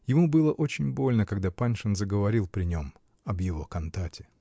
ему было очень больно, когда Паншин заговорил при нем об его кантате.